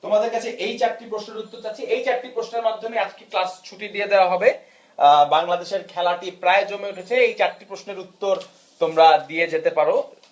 ভারতীয় নাগরিকদের জন্য কাজ করে গেছেন তোমাদের কাছে এই চারটি প্রশ্নের উত্তর চাই এই চারটি প্রশ্নের মাধ্যমে আজকে ক্লাস ছুটি দিয়ে দেয়া হবে বাংলাদেশ খেলাটি প্রায় জমে উঠেছে এই চারটি প্রশ্নের উত্তর তোমরা দিয়ে যেতে পারো